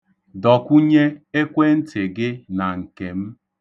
Dọkwụnye ekwentị gị na nke m.